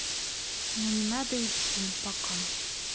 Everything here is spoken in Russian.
ну не надо идти пока